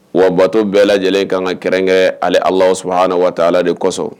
Wa bato bɛɛ lajɛlen ka ka kɛrɛnkɛ ani ala saba ni waati de kosɔn